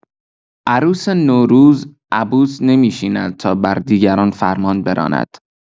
عروس نوروز، عبوس نمی‌نشیند تا بر دیگران فرمان براند.